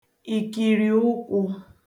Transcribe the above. ikìrìụkwụ̄